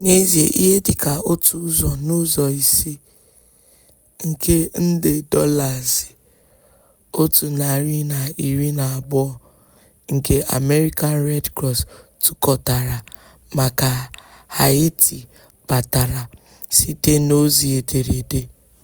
N'ezie, ihe dịka otu ụzọ n'ụzọ ise nke nde $112 nke American Red Cross tụkọtara maka Haiti batara site n'ozi ederede.